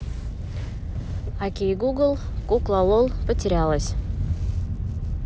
окей гугл кукла лол потерялась